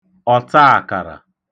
ọ̀taàkàrà